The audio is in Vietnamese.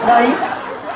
đấy